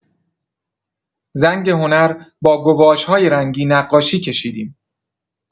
زنگ هنر با گواش‌های رنگی نقاشی کشیدیم.